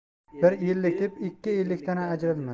bir ellik deb ikki ellikdan ajrama